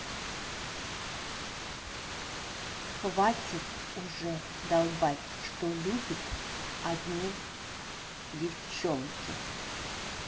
хватит уже долбать что любит одни девчонки